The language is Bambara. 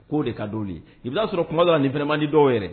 Koo de ka don i b'a sɔrɔ kumala ni fanama ni dɔw yɛrɛ